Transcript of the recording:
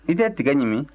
i tɛ tiga ɲimi